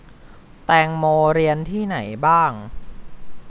แตงโมเรียนที่ไหนบ้าง